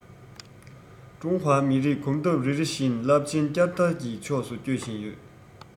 ཀྲུང ཧྭ མི རིགས གོམ སྟབས རེ རེ བཞིན རླབས ཆེན བསྐྱར དར གྱི ཕྱོགས སུ སྐྱོད བཞིན ཡོད